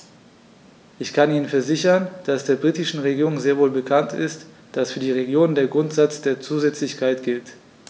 Ich kann Ihnen versichern, dass der britischen Regierung sehr wohl bekannt ist, dass für die Regionen der Grundsatz der Zusätzlichkeit gilt.